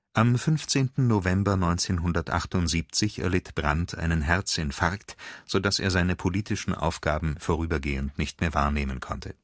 Am 15. November 1978 erlitt Brandt einen Herzinfarkt, sodass er seine politischen Aufgaben vorübergehend nicht mehr wahrnehmen konnte